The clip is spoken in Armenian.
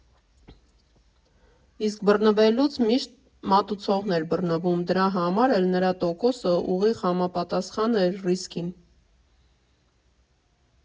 Իսկ բռնվելուց միշտ մատուցողն էր բռնվում, դրա համար էլ նրա տոկոսը ուղիղ համեմատական էր ռիսկին։